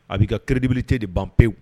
A b'i ka crédibilité de ban pewu.